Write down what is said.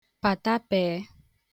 pàtapeē